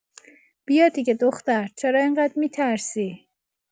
بیا دیگه دختر چرا انقد می‌ترسی؟